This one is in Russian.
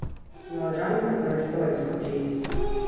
мелодрамы которые стоит посмотреть